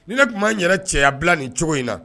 Ni ne tun b' n yɛrɛ cɛya bila nin cogo in na